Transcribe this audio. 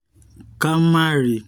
Ka má ri.”